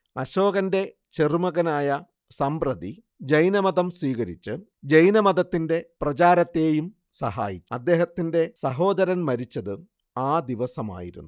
അശോകന്റെ ചെറുമകനായ സമ്പ്രതി ജൈനമതം സ്വീകരിച്ച് ജൈനമതത്തിന്റെ പ്രചാരത്തേയും സഹായിച്ചു. അദ്ദേഹത്തിന്റെ സഹോദരൻ മരിച്ചത് ആ ദിവസമായിരുന്നു